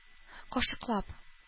Кашыклап